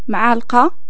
معالقة